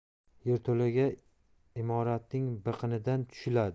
yerto'laga imoratning biqinidan tushiladi